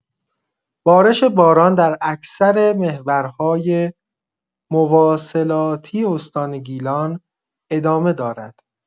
بارش باران در اکثر محورهای مواصلاتی استان گیلان ادامه دارد.